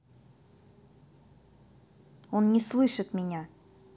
он не слышит меня